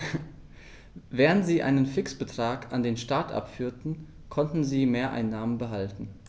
Während sie einen Fixbetrag an den Staat abführten, konnten sie Mehreinnahmen behalten.